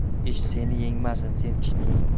ish seni yengmasin sen ishni yeng